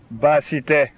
baasi tɛ